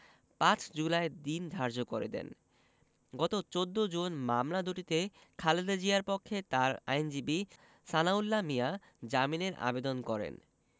৫ July দিন ধার্য করে দেন গত ১৪ জুন মামলা দুটিতে খালেদা জিয়ার পক্ষে তার আইনজীবী সানাউল্লাহ মিয়া জামিনের আবেদন করেন